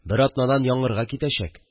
Бер атнадан яңгырга китәчәк